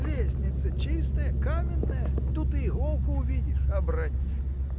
лестница чистая, каменная, тут и иголку увидишь. обронил!